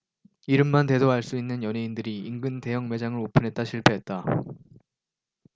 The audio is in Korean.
이름만 대도 알 수 있는 연예인들이 인근에서 대형 매장을 오픈했다 실패했다